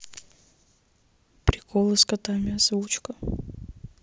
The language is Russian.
приколы с котами озвучка